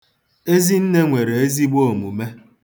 Ezinne nwere ezigbo omume.